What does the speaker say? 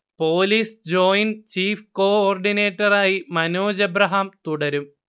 police joint chief coordinator ആയി Manoj Abraham തുടരും